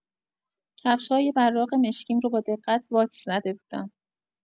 کفش‌های براق مشکیم رو با دقت واکس‌زده بودم.